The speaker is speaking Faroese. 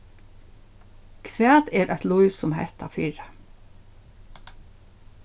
hvat er eitt lív sum hetta fyri